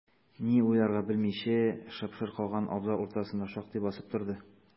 Ни уйларга белмичә, шып-шыр калган абзар уртасында шактый басып торды.